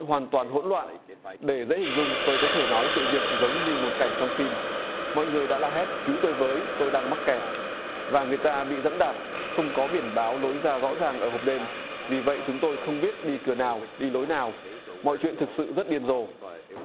hoàn toàn hỗn loạn để dễ hình dung tôi có thể nói sự việc giống như một cảnh trong phim mọi người đã la hét cứu tôi với tôi đang mắc kẹt và người ta bị giẫm đạp không có biển báo lối ra rõ ràng ở hộp đêm vì vậy chúng tôi không biết đi cửa nào đi lối nào mọi chuyện thực sự rất điên dồ